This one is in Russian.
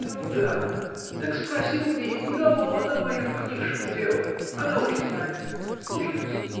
-- Ну да; так спроси у ней: куда, мол, она мою книжку дела? Она уж знает. -- Слушаю-с.